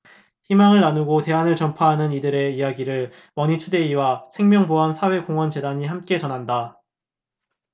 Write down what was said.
희망을 나누고 대안을 전파하는 이들의 이야기를 머니투데이와 생명보험사회공헌재단이 함께 전한다